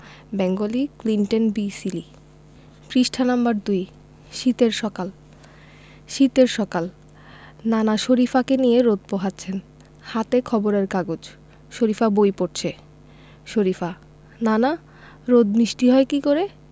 Bengali Clinton বি সিলি শীতের সকাল শীতের সকাল নানা শরিফাকে নিয়ে রোদ পোহাচ্ছেন হাতে খবরের কাগজ শরিফা বই পড়ছে শরিফা নানা রোদ মিষ্টি হয় কী করে